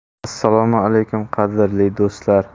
assalomu alaykum qadrli do'stlar